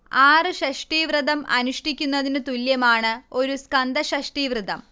ആറ് ഷഷ്ടിവ്രതം അനുഷ്ഠിക്കുന്നതിനു തുല്യമാണ് ഒരു സ്കന്ദഷഷ്ഠി വ്രതം